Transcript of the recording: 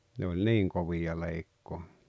ne oli niin kovia leikkaamaan